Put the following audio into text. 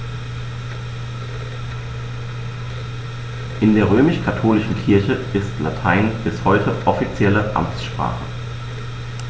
In der römisch-katholischen Kirche ist Latein bis heute offizielle Amtssprache.